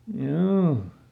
joo